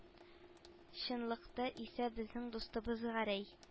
Чынлыкта исә безнең дустыбыз гәрәй